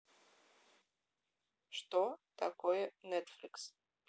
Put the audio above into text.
что такое нетфликс